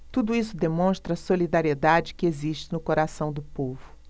tudo isso demonstra a solidariedade que existe no coração do povo